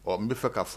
Ɔ n bɛ fɛ ka'a fo.